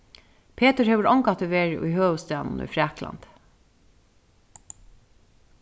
petur hevur ongantíð verið í høvuðsstaðnum í fraklandi